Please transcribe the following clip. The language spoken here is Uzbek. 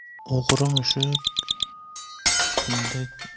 o'g'ri mushuk kunda